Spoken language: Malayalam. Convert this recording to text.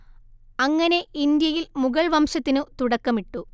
അങ്ങനെ ഇന്ത്യയിൽ മുഗൾവംശത്തിനു തുടക്കമിട്ടു